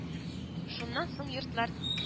Шуннан соң йортлар